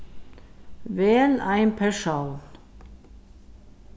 vel ein persón